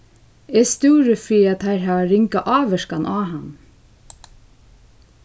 eg stúri fyri at teir hava ringa ávirkan á hann